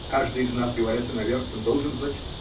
Каждый из нас, говоря с иноверцем, должен, значит.